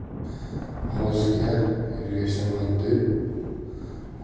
g'ozga ergashaman deb